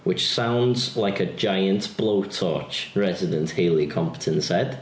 Which sounds like a giant blowtorch resident Hayley Compton said.